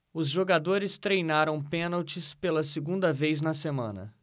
os jogadores treinaram pênaltis pela segunda vez na semana